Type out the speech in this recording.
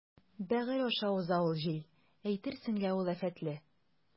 Бәгырь аша уза ул җил, әйтерсең лә ул афәтле.